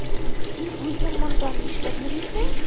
Син үзең монда нишләп йөрисең?